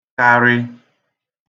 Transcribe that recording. -karị